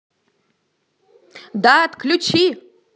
да отключи